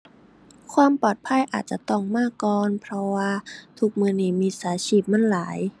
ความปลอดภัยอาจจะต้องมาก่อน เพราะว่าทุกมื้อนี้มิจฉาชีพมันหลาย